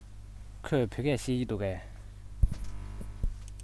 ཁོས བོད སྐད ཤེས ཀྱི འདུག གས